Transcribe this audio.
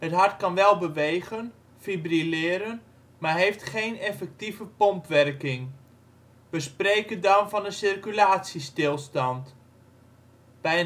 hart kan wel bewegen (fibrilleren) maar heeft geen effectieve pompwerking. We spreken dan van een circulatiestilstand. Bij